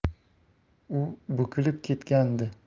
u bukilib ketgandi